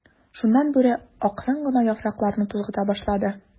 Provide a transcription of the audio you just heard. Шуннан Бүре акрын гына яфракларны тузгыта башлады.